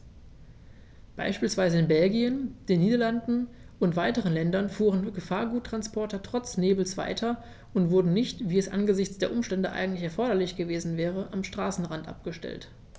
Beispielsweise in Belgien, den Niederlanden und weiteren Ländern fuhren Gefahrguttransporter trotz Nebels weiter und wurden nicht, wie es angesichts der Umstände eigentlich erforderlich gewesen wäre, am Straßenrand abgestellt.